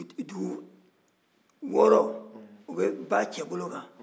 dugu wɔɔrɔ o bɛ ba cɛbolo kan